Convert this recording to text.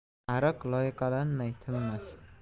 ariq loyqalanmay tinmas